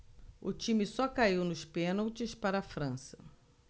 o time só caiu nos pênaltis para a frança